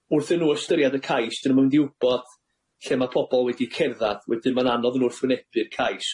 wrth i nw ystyried y cais, 'dyn nw'm yn mynd i wbod lle ma' pobol wedi cerddad, wedyn ma'n anodd i nw wrthwynebu'r cais.